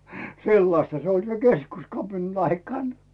sellaista se oli sen keskuskapinan aikana